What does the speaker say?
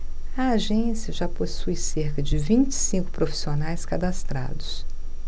a agência já possui cerca de vinte e cinco profissionais cadastrados